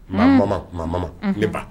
Mama mama mama ne ba